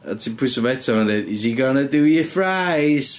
A ti'n pwyso fo eto ma'n deud, "is he gonna do your fries"?